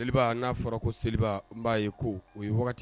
Jeliba n'a fɔra ko seli n b'a ye ko o ye wagati